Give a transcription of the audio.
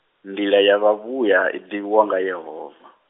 nḓila ya vha vhuya iḓivhiwa nga Yehova.